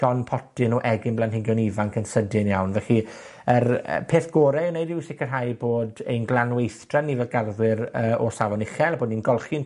llond potyn o egin blanhigion ifanc yn sydyn iawn. Felly, yr yy peth gore i neud yw sicrhau bod ein glanweithdra ni fel garddwyr yy o safon uchel, bo' ni'n golchi'n